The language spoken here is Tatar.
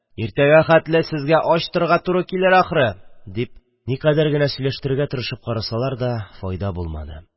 Иртәгәгә хәтле сезгә ач торырга туры килер, ахры, – дип, никадәр генә сөйләштерергә тырышып карасалар да, файда булмады.